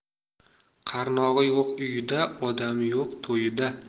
qarnog'i yo'q uyida odami yo'q to'yida